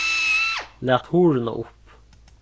lat hurðina upp